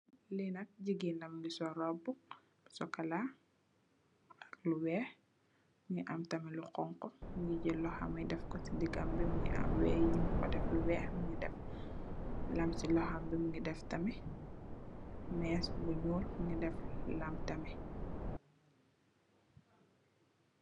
Lii nak gigain la, mungy sol rohbu bu chocolat ak lu wekh, mungy am tamit lu honku, mungy jeul lokhom yii def kor cii ndigam bii, mungy aah wheyyiii njung kor deff lu wekh, mungy deff laam cii lokhom bii, mungy deff tamit meeche bu njull, mungy deff lamm tamit.